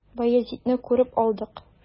Баязитны күреп алдык.